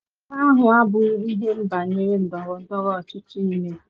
Mana nke ahụ abụghị ihe m banyere ndọrọndọrọ ọchịchị ịme.